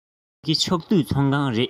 ཕ གི ཕྱོགས བསྡུས ཚོགས ཁང རེད